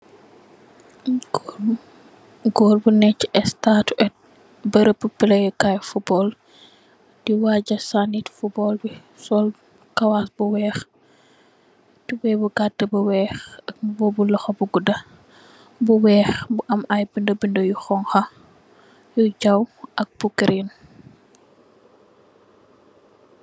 Goor bu nëëk si estaat, bërëbu pillë Kaay fuutbool, di waaja sanni fuutbool bi, kawaas bu weex, tubooy bu gattë bu weex, mbubu loxo bu gudda bu weex bu am bindë bindë yu xoñxa, bu chaw ak bu giriin.